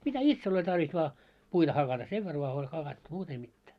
mitä itsellä oli tarve vain puita hakata sen verran vain oli hakattu muuta ei mitään